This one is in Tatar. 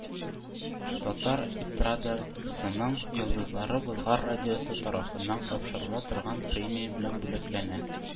Татар эстрадасының йолдызлары “Болгар радиосы” тарафыннан тапшырыла торган премия белән бүләкләнә.